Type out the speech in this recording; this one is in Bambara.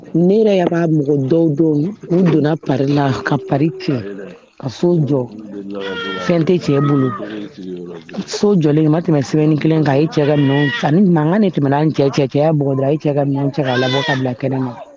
Ne yɛrɛ b'a mɔgɔ dɔw dɔw u donna pari la ka pari tiɲɛ ka so jɔ fɛn tɛ cɛ bolo so jɔlen ma tɛmɛ sɛbɛnni kelen kan ye cɛ ka naga de tɛmɛ'an cɛ cɛ cɛ mɔgɔda a ye cɛ ka min cɛ a labɔ ka bila kɛnɛ ma